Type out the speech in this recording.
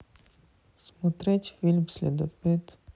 смотреть фильм следопыт